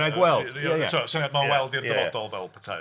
Rhagweld ie... Ti'mo y syniad yma o weld i'r dyfodol, fel petai.